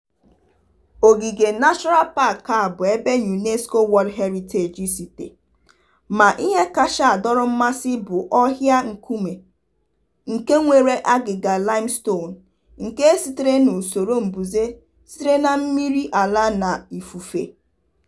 Ogige National Park a bụ ebe UNESCO World Heritage Site, ma ihe kacha adọrọ mmasị bụ ọhịa nkume nke nwere agịga limestone nke sitere n'usoro mbuze sitere na mmiri ala na ifufe.